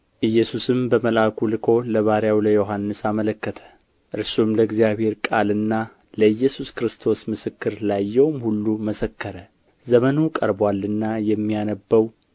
ኢየሱስም በመልአኩ ልኮ ለባሪያው ለዮሐንስ አመለከተ እርሱም ለእግዚአብሔር ቃልና ለኢየሱስ ክርስቶስ ምስክር ላየውም ሁሉ መሰከረ ዘመኑ ቀርቦአልና የሚያነበው